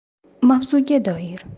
mavzuga doir